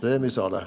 det er Missale.